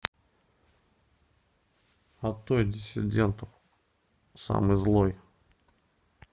на той диссидентов самый злой